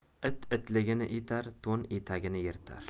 it itligini etar to'n etagini yirtar